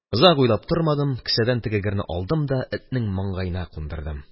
Озак уйлап тормадым, кесәдән теге герне алдым да этнең маңгаена кундырдым.